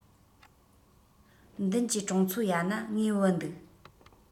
མདུན གྱི གྲོང ཚོ ཡ ན ངའི བུ འདུག